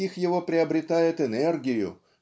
стих его приобретает энергию